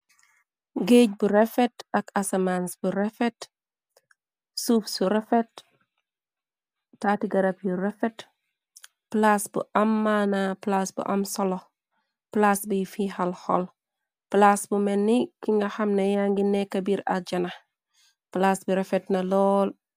Géej bu refet ak asamaans bu refet suub su refet taati garab yu refet plaas bu am maana plaas bu am solo plaas bi fi xal xoll plaas bu menni ki nga xam na ya ngi nekk biir ak janax plaas bi refet na lool.